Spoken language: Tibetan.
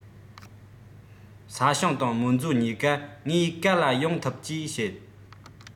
ས ཞིང དང རྨོན མཛོ གཉིས ཀ ངས ག ལ ཡོང ཐུབ ཅེས བཤད